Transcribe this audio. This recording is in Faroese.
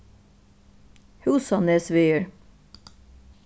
húsanesvegur